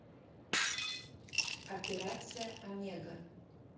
операция омега